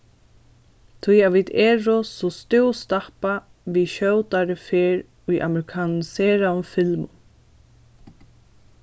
tí at vit eru so stúvstappað við skjótari ferð í amerikaniseraðum filmum